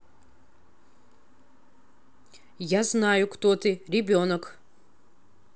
а я знаю кто ты ребенок